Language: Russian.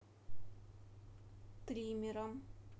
тримером